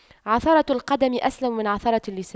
عثرة القدم أسلم من عثرة اللسان